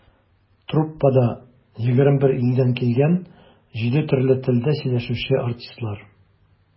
Труппада - 21 илдән килгән, җиде төрле телдә сөйләшүче артистлар.